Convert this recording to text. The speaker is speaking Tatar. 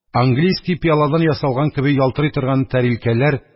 «английский пыяла»дан ясалган кеби ялтырый торган тәрилкәләр